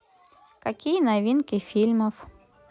какие новинки фильмов